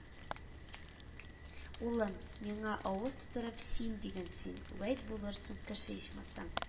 - улым, миңа авыз тутырып “син” диген син, вәйт булырсың кеше ичмасам